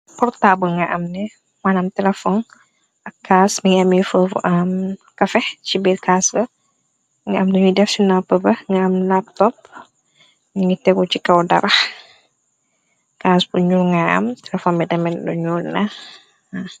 portaabu nga am ne manam telefon ak caas mi ngi ami fe bu am kafe ci biir cas ga nga am duñuy def ci noppa ba nga am laptop ngi tegu ci kaw darax caas bu ñyul nga am telefon bi tamit lu nyuul la.